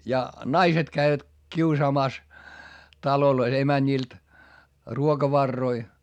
ja naiset kävivät kiusaamassa taloissa emänniltä ruokavaroja